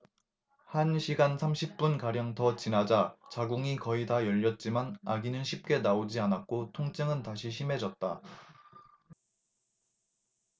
한 시간 삼십 분가량 더 지나자 자궁이 거의 다 열렸지만 아기는 쉽게 나오지 않았고 통증은 다시 심해졌다